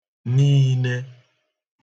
niine